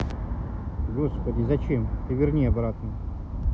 господи зачем ты верни обратно